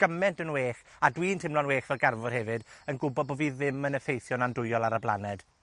gymaint yn well, a dwi'n timlo'n well fel garddwr hefyd, yn gwbo bo' fi ddim yn effeithio'n andwyol ar y blaned.